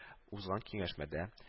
Узган киңәшмәдә